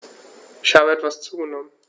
Ich habe etwas zugenommen